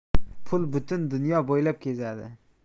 pul butun dunyo bo'ylab kezadi